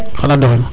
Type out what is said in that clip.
xana ndoxin